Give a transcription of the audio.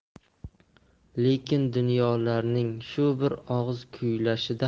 lekin doniyorning shu bir og'iz kuylashida